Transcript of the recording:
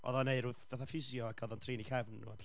oedd o'n wneud ryw fatha ffisio ac oedd o'n trin i gefn nhw a ballu.